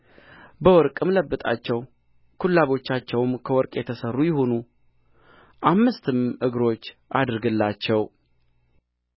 በወርቅም ለብጣቸው ኩላቦቻቸውም ከወርቅ የተሠሩ ይሁኑ አምስትም እግሮች አድርግላቸው